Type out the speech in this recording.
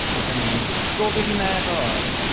If I'm in the mood. Ti'n gwybod be fi'n meddwl?